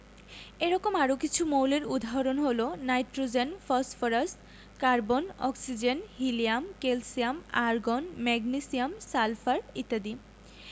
এরকম আরও কিছু মৌলের উদাহরণ হলো nitrogen phosphorus carbon oxygen helium calcium argon magnesium sulphur ইত্যাদি